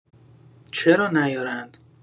چرا نیارند؟